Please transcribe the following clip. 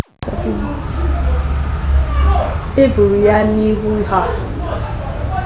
E gburu ya n'ihu ha.